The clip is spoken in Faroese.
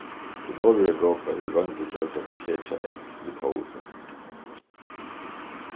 í norðureuropa eru royndir gjørdar at klekja egg við tólum